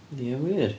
Ia, wir?